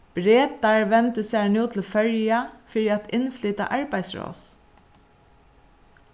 bretar vendu sær nú til føroya fyri at innflyta arbeiðsross